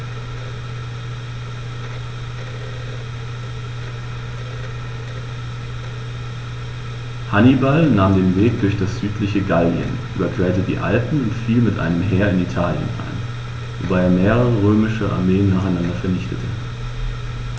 Hannibal nahm den Landweg durch das südliche Gallien, überquerte die Alpen und fiel mit einem Heer in Italien ein, wobei er mehrere römische Armeen nacheinander vernichtete.